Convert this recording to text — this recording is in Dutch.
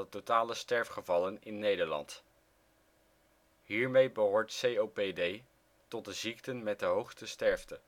totale sterfgevallen in Nederland. Hiermee behoort COPD tot de ziekten met de hoogste sterfte